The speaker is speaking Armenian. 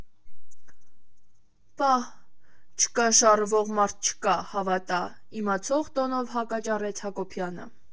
Պա՜հ, չկաշառվող մարդ չկա, հավատա, ֊ իմացող տոնով հակաճառեց Հակոբյանը։